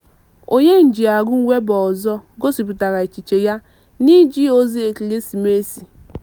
Onye njiarụ Weibo ọzọ gosipụtara echiche ya n'iji ozi ekeresimesi: